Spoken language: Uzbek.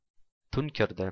tun kirdi